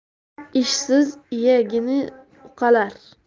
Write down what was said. ishsiz iyagini uqalar